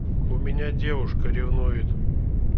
у меня девушка ревнует